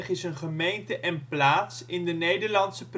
is een gemeente en plaats in de Nederlandse